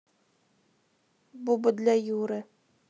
буба для юры